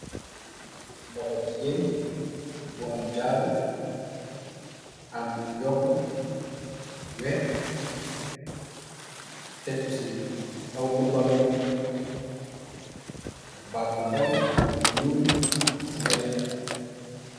Lokhor jigéen bu am jaaru, am yokku weh, tekku ci kaw lupam bi, ak bag bu ndaw bu njull ci wetam.